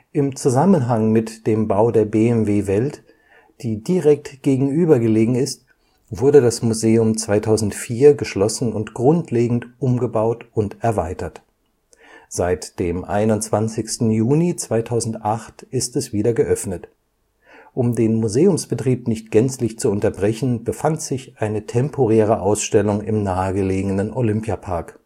Im Zusammenhang mit dem Bau der BMW Welt, die direkt gegenüber gelegen ist, wurde das Museum 2004 geschlossen und grundlegend umgebaut und erweitert. Seit dem 21. Juni 2008 ist es wieder geöffnet. Um den Museumsbetrieb nicht gänzlich zu unterbrechen, befand sich eine temporäre Ausstellung im nahegelegenen Olympiapark